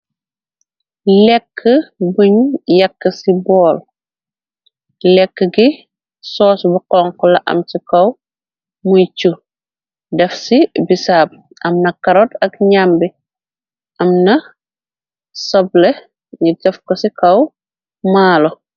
Lekku buñ yekk ci borl, lekku gui sauce bu khonkla am ci kaw muy chou, def ci bisaab, amna carrot ak njambi, amna sobleh, nju def ko ci kaw maaloh.